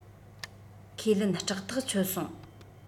ཁས ལེན སྐྲག ཐག ཆོད སོང